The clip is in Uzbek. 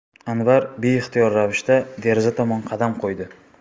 anvar beixtiyor ravishda deraza tomon qadam qo'ydi